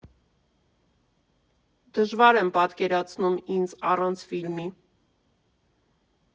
Դժվար եմ պատկերացնում ինձ առանց ֆիլմի.